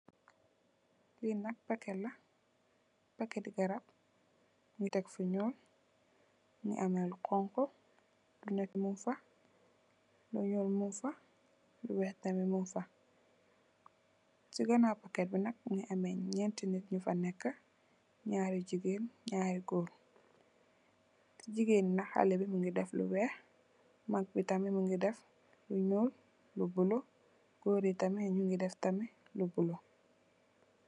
Lenak packet packet ti garab, ni tek fu nuul mingi ami lo xongo nit mogfah lo nuul mogfah lo weex tarmit mogfah ci ganaaw packet nak yeen nit nu fah neka narri jigeen narri goor jigeen nak hale bi mogui deff lo weex mag bi tarmit mingi lo nuul lo bulu goor tarmit nigi deff lo bulu.